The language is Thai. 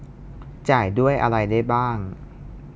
จ่ายด้วยอะไรได้บ้าง